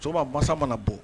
Soba masa mana bɔ